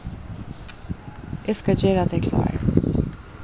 eg skal gera tey klár